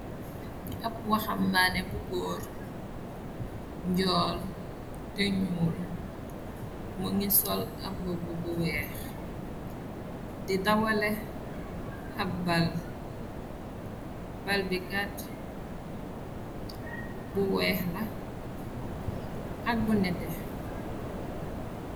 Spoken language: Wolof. Ab waxam baane bu góor njool te ñyuul mu ngi sol ab b bu weex di dawale ab balbikat bu weex la ak bu nete.